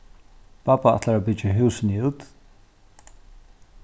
babba ætlar at byggja húsini út